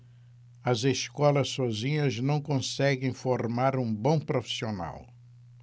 as escolas sozinhas não conseguem formar um bom profissional